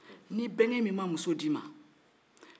ni bɛnkɛ mi ma muso di ma